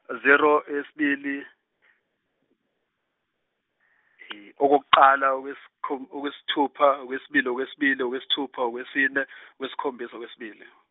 zero eyesibili okokuqala okwesikho- okwesithupha okwesibili okwesibili okwesithupha okwesine okwesikhombisa okwesibili.